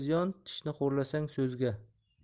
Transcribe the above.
ziyon tishni xo'rlasang so'zga